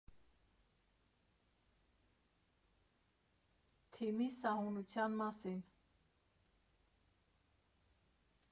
ԹԻՄԻ ՍԱՀՈՒՆՈՒԹՅԱՆ ՄԱՍԻՆ։